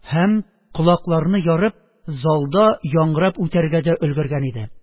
Һәм колакларны ярып, залда яңгырап үтәргә дә өлгергән иде